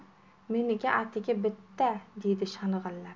meniki atigi bitta deydi shang'illab